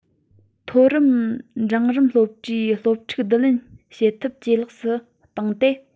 མཐོ རིམ འབྲིང རིམ སློབ གྲྭའི སློབ ཕྲུག བསྡུ ལེན བྱེད ཐབས ཇེ ལེགས སུ བཏང སྟེ